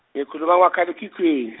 ngikhuluma makhalekhikhin- .